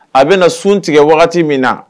A bɛna sun tigɛ wagati min na